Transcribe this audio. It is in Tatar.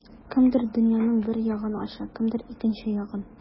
Кемдер дөньяның бер ягын ача, кемдер икенче ягын.